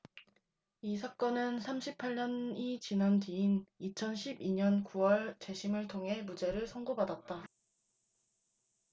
이 사건은 삼십 팔 년이 지난 뒤인 이천 십 이 년 구 월 재심을 통해 무죄를 선고받았다